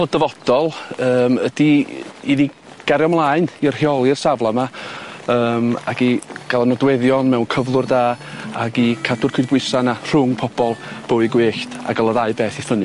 Wel dyfodol yym ydi i ni gario mlaen i'r rheoli'r safle 'ma yym ag i ga'l y nodweddion mewn cyflwr da ag i cadw'r cydbwysa' 'na rhwng pobol bywyd gwyllt a ga'l y ddau beth i ffynnu.